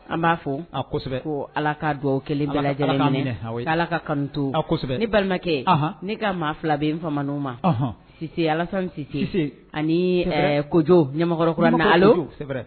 An b'a fɔ, an kosɛbɛ, ko Ala ka dugawu kɛlen bɛɛ lajɛlen minɛ, Ala ka minɛ aa oui k'Ala ka kanu to, an kosɛbɛ, ne balimakɛ, anhan, ne ka maa 2 bɛ yen,n fama na o ma, anhan, Sise, Alasani Sise, Sise, ani ɛɛ Kojo, Ɲamakɔrɔkurani na, Ɲamakɔrɔ Kojo c'est vrai , allo